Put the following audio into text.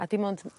a dim ond